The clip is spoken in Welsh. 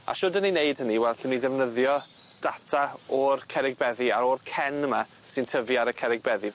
A shwd 'yn ni'n neud hynny wel llwn ni ddefnyddio data o'r cerrig beddi a o'r cen yma sy'n tyfu ar y cerrig beddi.